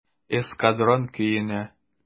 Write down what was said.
"эскадрон" көенә.